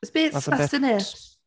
Bit sus, innit?